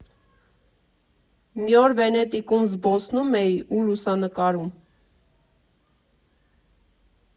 Մի օր Վենետիկում զբոսնում էի ու լուսանկարում։